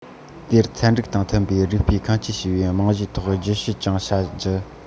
དེར ཚན རིག དང མཐུན པའི རིགས པས ཁུངས སྐྱེལ བྱས པའི རྨང གཞིའི ཐོག རྒྱས བཤད ཀྱང བྱ རྒྱུ